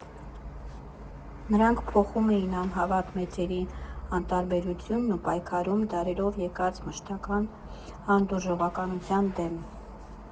Նրանք փոխում էին անհավատ մեծերի անտարբերությունն ու պայքարում՝ դարերով եկած մշտական հանդուրժողականության դեմ։